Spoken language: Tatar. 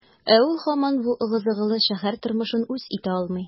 Ә ул һаман бу ыгы-зыгылы шәһәр тормышын үз итә алмый.